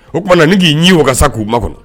O tuma na ni k'i ɲɛ wakasa k'u ba kɔnɔ